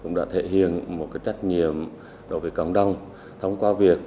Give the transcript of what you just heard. cũng đã thể hiện một cách trách nhiệm đối với cộng đồng thông qua việc